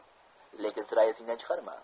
lekin sira esingdan chiqarma